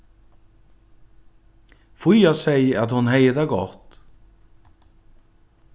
fía segði at hon hevði tað gott